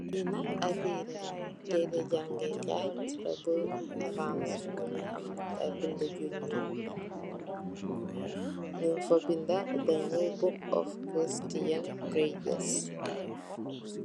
Ki nak ap tere la tere jangekai tere bu orance mongi ama ay binda yu nuul nyun fa binda the new book of Christian gregeous.